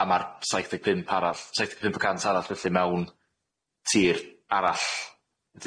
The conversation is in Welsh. a ma'r saith deg pump arall saith deg pump y cant arall felly mewn tir arall.